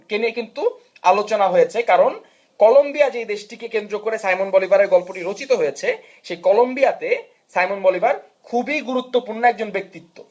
কে নিয়ে কিন্তু আলোচনা হয়েছে কারণ কলম্বিয়া যে দেশটিকে কেন্দ্র করে সাইমন বলিভারের গল্পটি রচিত হয়েছে এ কলম্বিয়াতে সাইমন বলিভার খুবই গুরুত্বপূর্ণ একজন ব্যক্তিত্ব